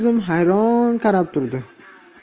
zum hayron qarab turdi